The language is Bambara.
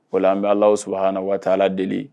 Wala an b'a la suha na waa la deli